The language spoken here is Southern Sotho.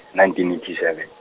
nineteen eighty seven.